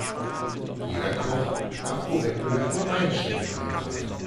Jeder Koch darf pro Wettbewerb nur ein Chili einreichen